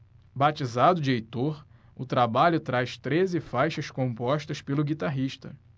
batizado de heitor o trabalho traz treze faixas compostas pelo guitarrista